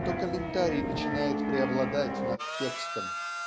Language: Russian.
то комментарий начинает преобладать над текстом.